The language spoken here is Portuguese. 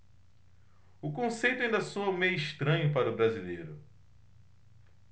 o conceito ainda soa meio estranho para o brasileiro